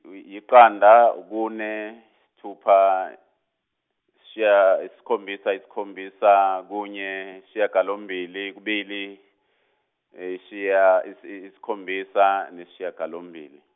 yu- yiqanda kune isithupha, sha- isikhombisa isikhombisa kunye isishiyagalombili kubili, ishiya- is- i- isikhombisa nesishagalombili.